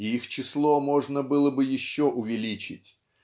-- и их число можно было бы еще увеличить.